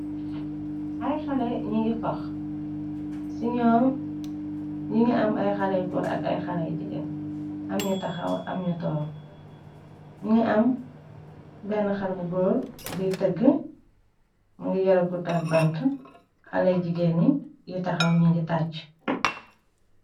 Ayy haleh nngeh fox nu ngi amm ay xale nu góor ak ay xaley yu jigéen, amm ñu taxaw am ñu tog , ngi amm benna xaleh bu góor biy tëggeh mu ngi yarab gutaak ak bantah xaley jigéeni yigeh taxaw , ngeh tàccuh.